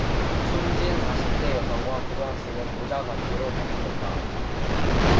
숨진 사십 대 여성과 고등학생은 모자 관계로 밝혀졌다